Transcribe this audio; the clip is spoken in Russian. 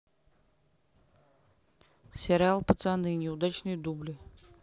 сериал пацаны неудачные дубли